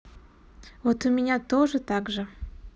вот у меня тоже также